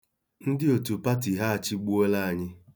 Ndị otu pati ha achịgbuola anyị.